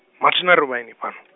mathina ri vhaeni fhano?